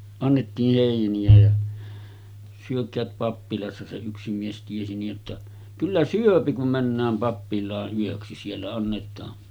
annettiin heiniä ja syökää pappilassa se yksi mies tiesi niin jotta kyllä syö kun mennään pappilaan yöksi siellä annetaan